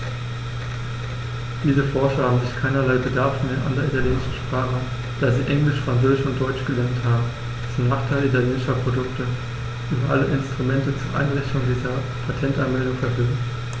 Diese Forscher haben sicher keinerlei Bedarf mehr an der italienischen Sprache, da sie Englisch, Französisch und Deutsch gelernt haben und, zum Nachteil italienischer Produkte, über alle Instrumente zur Einreichung dieser Patentanmeldungen verfügen.